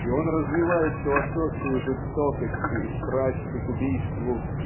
и он развивает философию жестокости и страсти к убийству